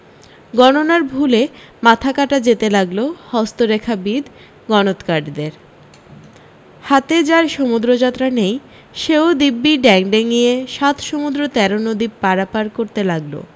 গণনার ভুলে মাথা কাটা যেতে লাগল হস্তরেখাবিদ গণতকারদের হাতে যার সমুদ্রযাত্রা নেই সেও দিব্যি ড্যাংডেঙিয়ে সাত সমুদ্র তেরা নদী পারাপার করতে লাগল